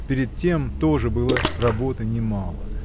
Перед тем тоже было работы немало.